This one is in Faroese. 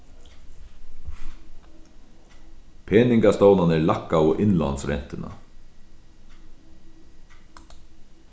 peningastovnarnir lækkaðu innlánsrentuna